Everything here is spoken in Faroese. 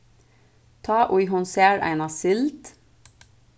tá ið hon sær eina sild